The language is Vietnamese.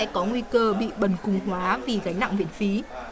sẽ có nguy cơ bị bần cùng hóa vì gánh nặng viện phí